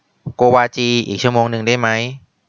โกวาจีอีกชั่วโมงนึงได้ไหม